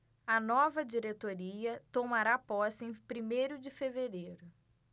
a nova diretoria tomará posse em primeiro de fevereiro